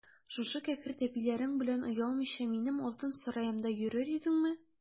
Шушы кәкре тәпиләрең белән оялмыйча минем алтын сараемда йөрер идеңме?